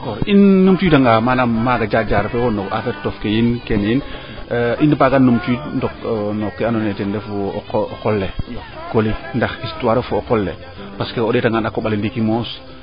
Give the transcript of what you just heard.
d' accord i numtu wiida nga manaam maaga jaar jaar feewo no affaire tof ke yiin i numtu wiid ndok no kee ando naye ten refu o qol le Coly ndax histoire of fo o qol le parce que o ndeeta ngaan ndiiki moom a koɓale ndiiki moom